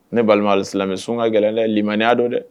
Ne balima silamɛ sun ka gɛlɛn ye lilimaya don dɛ